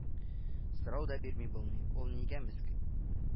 Сорау да бирми булмый: ул нигә меск